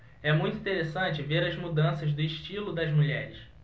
é muito interessante ver as mudanças do estilo das mulheres